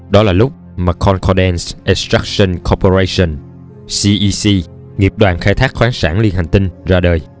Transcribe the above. đó là lúc mà concordance extraction corporation ra đời